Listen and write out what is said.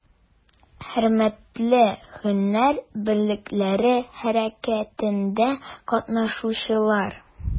Хөрмәтле һөнәр берлекләре хәрәкәтендә катнашучылар!